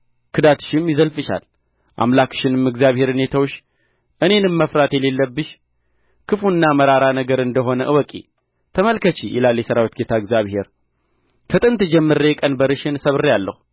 ክዳትሽም ይዘልፍሻል አምላክሽንም እግዚአብሔርን የተውሽ እኔንም መፍራት የሌለብሽ ክፉና መራራ ነገር እንደ ሆነ እወቂ ተመልከቺ ይላል የሠራዊት ጌታ እግዚአብሔር ከጥንት ጀምሮ ቀንበርሽን ሰብሬአለሁ